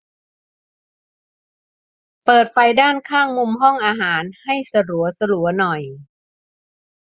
เปิดไฟด้านข้างมุมห้องอาหารให้สลัวสลัวหน่อย